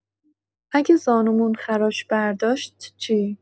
اگه زانومون خراش برداشت چی؟